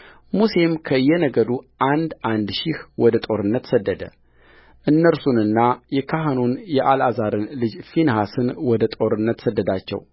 ሙሴም ከየነገዱ አንድ አንድ ሺህ ወደ ጦርነት ሰደደ እነርሱንና የካህኑን የአልዓዛርን ልጅ ፊንሐስን ወደ ጦርነት ሰደዳቸው